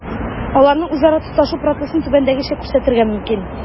Аларның үзара тоташу процессын түбәндәгечә күрсәтергә мөмкин: